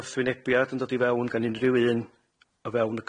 wrthwynebiad yn dod i fewn gan unrhyw un o fewn y